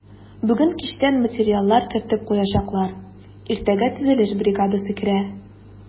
Бүген кичтән материаллар кертеп куячаклар, иртәгә төзелеш бригадасы керә.